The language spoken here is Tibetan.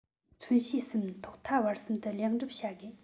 མཚོན བྱེད གསུམ ཐོག མཐའ བར གསུམ དུ ལེགས འགྲུབ བྱ དགོས